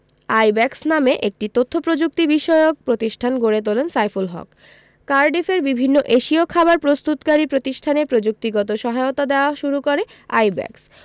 আইব্যাকস নামে একটি তথ্যপ্রযুক্তিবিষয়ক প্রতিষ্ঠান গড়ে তোলেন সাইফুল হক কার্ডিফের বিভিন্ন এশীয় খাবার প্রস্তুতকারী প্রতিষ্ঠানে প্রযুক্তিগত সহায়তা দেওয়া শুরু করে আইব্যাকস